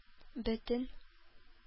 Бөтен